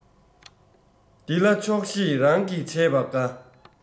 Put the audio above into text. འདི ལ ཆོག ཤེས རང གིས བྱས པ དགའ